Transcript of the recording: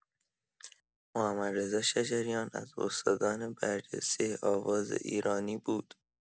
محمدرضا شجریان از استادان برجسته آواز ایرانی بود.